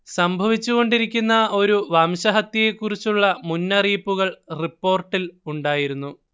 സംഭവിച്ചുകൊണ്ടിരിക്കുന്ന ഒരു വംശഹത്യയെക്കുറിച്ചുള്ള മുന്നറിയിപ്പുകൾ റിപ്പോർട്ടിൽ ഉണ്ടായിരുന്നു